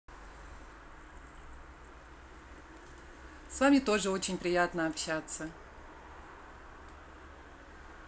с вами тоже очень приятно общаться